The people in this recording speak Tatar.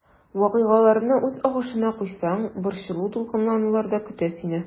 Вакыйгаларны үз агышына куйсаң, борчылу-дулкынланулар да көтә сине.